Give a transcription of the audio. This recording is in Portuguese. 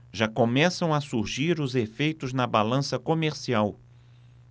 já começam a surgir os efeitos na balança comercial